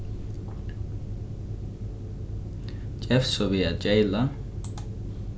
gevst so við at geyla